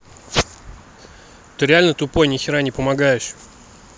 ты реально тупой нихера не помогаешь